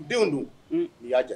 Denw dun y'a jɛ